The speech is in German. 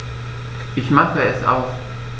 Ich mache es aus.